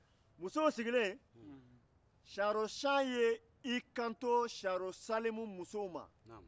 musow sigilen siyanro schɔn ye i kanto siyanro salimu musow ma